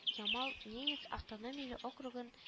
Ямал-Ненец автономияле округын